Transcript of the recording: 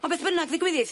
Ma' beth bynnag ddigwydd.